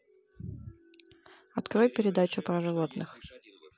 открой передачу про животных